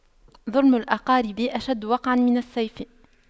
ظلم الأقارب أشد وقعا من السيف